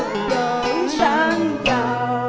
sang giàu